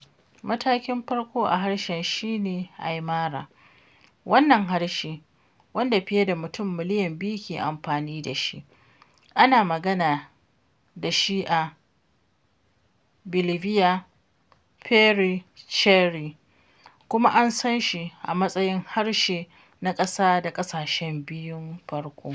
Matakin farko a harshe shi ne Aymara; wannan harshe, wanda fiye da mutum miliyan biyu ke amfani da shi, ana magana da shi a Bolivia, Peru da Chile kuma an san shi a matsayin harshe na ƙasa a ƙasashe biyun farko.